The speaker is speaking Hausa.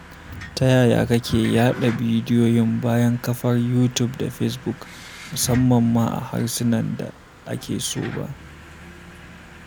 Ta yaya kake yaɗa bidiyoyin bayan kafar Youtube da Facebook, musamman ma a harsunan da ake so ba?